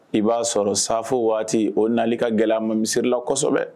I b'a sɔrɔ safo waati o nali ka gɛlɛ ma misirilasɔ kosɛbɛ